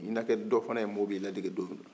e na kɛ dɔ fana mɔgɔw bɛ i ladege don dɔ la